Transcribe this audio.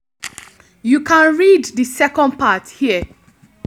You can read the second part here.